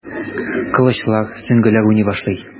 Кылычлар, сөңгеләр уйный башлый.